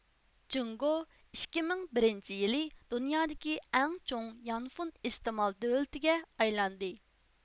جۇڭگو ئىككى مىڭ بىرىنچى يىلى دۇنيادىكى ئەڭ چوڭ يانفون ئىستېمال دۆلىتىگە ئايلاندى